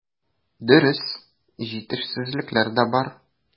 Дөрес, җитешсезлекләр дә бар.